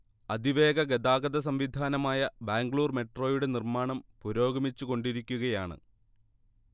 അതിവേഗ ഗതാഗത സംവിധാനമായ ബാംഗ്ലൂർ മെട്രോയുടെ നിർമ്മാണം പുരോഗമിച്ചു കൊണ്ടിരിക്കുകയാണ്